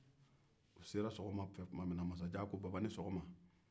u sera tuma min na masajan ko baba ni sɔgɔma